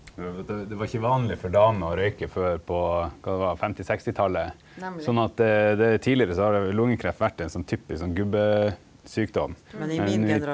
det det var ikkje vanleg for damer å røyke før på kva det var 50 sekstitalet, sånn at det det tidlegare så har lungekreft vore ein sånn typisk sånn gubbesjukdom men i.